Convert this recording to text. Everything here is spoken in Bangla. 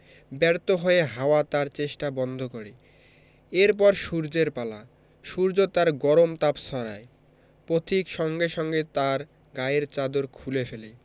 ব্যর্থ হয়ে হাওয়া তার চেষ্টা বন্ধ করে এর পর সূর্যের পালা সূর্য তার গরম তাপ ছড়ায় পথিক সঙ্গে সঙ্গে তার গায়ের চাদর খুলে ফেলে